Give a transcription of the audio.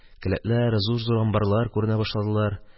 Келәтләр, зур-зур амбарлар күренә башладылар.